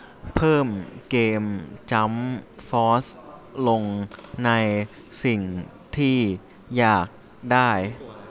เพิ่มเกมจั้มฟอสลงในสิ่งที่อยากได้